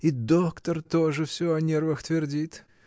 И доктор тоже всё о нервах твердит.